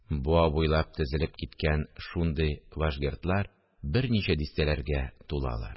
Буа буйлап тезелеп киткән шундый вашгердлар берничә дистәләргә тулалар